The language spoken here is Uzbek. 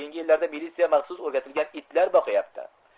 keyingi yillarda militsiya maxsus o'rgatilgan itlar boqyapti